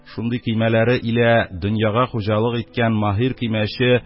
Шундый көймәләре илә дөньяга хуҗалык иткән маһир көймәче